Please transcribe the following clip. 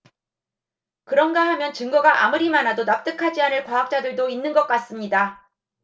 그런가 하면 증거가 아무리 많아도 납득하지 않을 과학자들도 있는 것 같습니다